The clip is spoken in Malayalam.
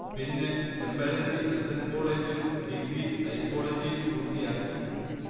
പിന്നെ, ചെമ്പഴന്തി എസ്. എൻ. കോളേജിൽ ഡിഗ്രി സൈക്കോളജിയിൽ പൂർത്തിയാക്കി